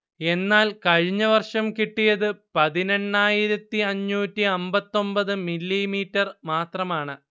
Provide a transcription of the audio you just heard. എന്നാൽ കഴിഞ്ഞ വർഷം കിട്ടിയത് പതിനെണ്ണായിരത്തി അഞ്ചൂറ്റി അൻപത്തിഒൻപത് മില്ലീമീറ്റർ മാത്രമാണ്